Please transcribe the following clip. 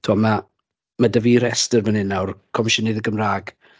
Tibod ma' ma' 'da fi restr fan hyn nawr, Comisiynydd y Gymraeg.